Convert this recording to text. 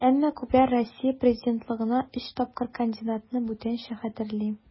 Әмма күпләр Россия президентлыгына өч тапкыр кандидатны бүтәнчә хәтерли.